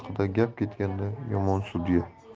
haqida gap ketganda yomon sudya